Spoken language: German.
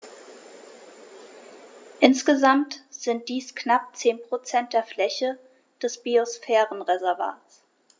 Insgesamt sind dies knapp 10 % der Fläche des Biosphärenreservates.